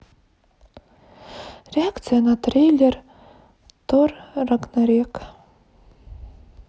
реакция на трейлер тор рагнарек